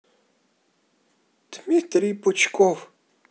дмитрий пучков